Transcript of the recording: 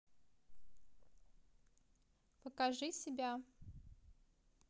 покажи себя